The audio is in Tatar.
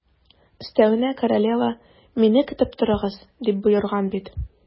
Өстәвенә, королева: «Мине көтеп торыгыз», - дип боерган бит.